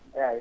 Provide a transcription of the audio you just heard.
eeyi